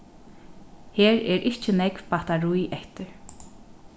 her er ikki nógv battarí eftir